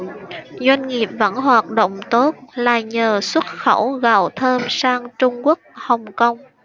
doanh nghiệp vẫn hoạt động tốt là nhờ xuất khẩu gạo thơm sang trung quốc hong kong